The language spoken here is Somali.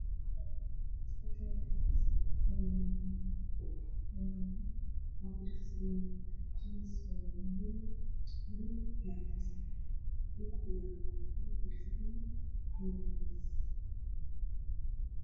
Waa baan baro midadkiisu yahay cadaan waxaa ku jira surwaal james oo buluug ah dhulka waad caddaan